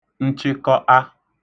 nchịkọȧ